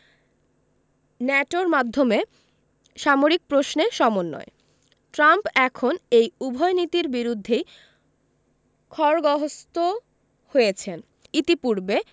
ন্যাটোর মাধ্যমে সামরিক প্রশ্নে সমন্বয় ট্রাম্প এখন এই উভয় নীতির বিরুদ্ধেই খড়গহস্ত হয়েছেন ইতিপূর্বে